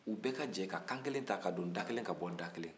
u bɛɛ ka jɛ ka kan kelen ta ka don da kelen ka bɔ da kelen